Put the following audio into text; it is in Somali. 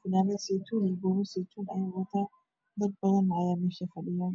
fanaanad saytuun iyo buumo saytuun ayuu wataa dad badana ayaa meesha fadhiyaan